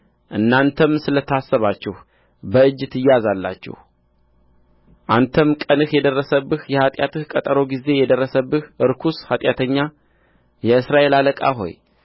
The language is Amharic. እናንተም ስለ ታሰባችሁ በእጅ ትያዛላችሁ አንተም ቀንህ የደረሰብህ የኃጢአትህ ቀጠሮ ጊዜ የደረሰብህ ርኩስ ኃጢአተኛ የእስራኤል አለቃ ሆይ